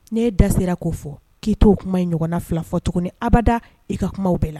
Ne ye dasera ko'o fɔ k'i t to oo kuma in ɲɔgɔn fila fɔ cogo ni abada i ka kumaw bɛɛ la